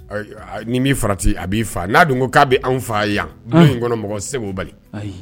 Ni b'i farati a b'i faa n'a dun ko k'a bɛ an fa yan anw kɔnɔ mɔgɔ segu bali